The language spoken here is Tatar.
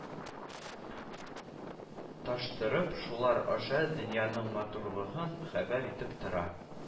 Таштырып, шулар аша дөньяның матурлыгын хәбәр итеп тора